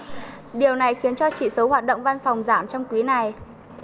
điều này khiến cho chỉ số hoạt động văn phòng giảm trong quý này